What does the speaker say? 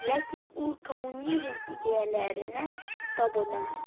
Ләкин ул коммунизм идеяләренә табына.